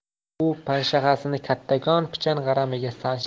u panshaxasini kattakon pichan g'aramiga sanchdi